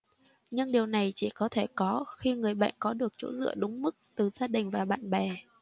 nhưng điều này chỉ có thể có khi người bệnh có được chỗ dựa đúng mức từ gia đình và bạn bè